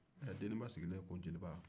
ɛ deniba sigilen ko jeliba